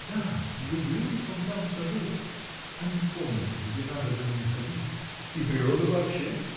да, люблю их вон там, в саду, а не в комнате, где надо за ними ходить. — И природу вообще?